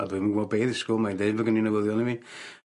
A dwi'm yn gwbod be' i ddisgwl mae'n deud fo' gin 'i newyddion i mi.